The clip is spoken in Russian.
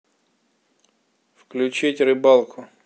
включить рыбалку